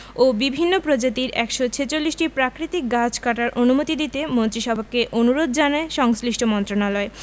ও বিভিন্ন প্রজাতির ১৪৬টি প্রাকৃতিক গাছ কাটার অনুমতি দিতে মন্ত্রিসভাকে অনুরোধ জানায় সংশ্লিষ্ট মন্ত্রণালয়